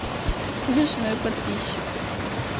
смешной подписчик